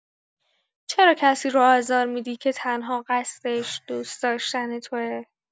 چرا کسی رو آزار می‌دی که تنها قصدش دوست‌داشتن توئه؟